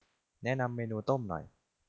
แนะนำเมนูต้มหน่อย